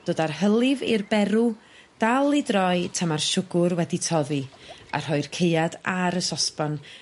Dod â'r hylif i'r berw dal i droi tan ma'r siwgr wedi toddi a rhoi'r caead ar y sosban